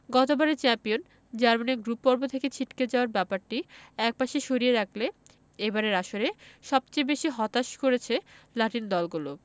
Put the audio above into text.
গতবারের চ্যাম্পিয়ন জার্মানির গ্রুপপর্ব থেকে ছিটকে যাওয়ার ব্যাপারটি একপাশে সরিয়ে রাখলে এবারের আসরে সবচেয়ে বেশি হতাশ করেছে লাতিন দলগুলো